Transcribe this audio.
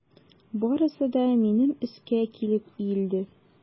Барысы да минем өскә килеп иелде.